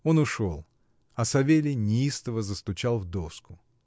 Он ушел, а Савелий неистово застучал в доску.